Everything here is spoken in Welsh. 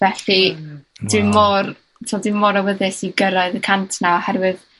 Felly... Waw. Waw. ...dwi mor, t'mo, dwi mor awyddus i gyrraedd y cant 'na oherwydd,